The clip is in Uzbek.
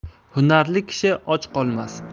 hunarli kishi och qolmas